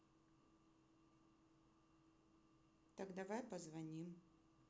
так давай позвоним